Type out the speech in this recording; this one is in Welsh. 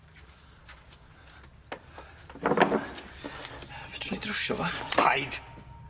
Fedra ni drwsio fo. Paid!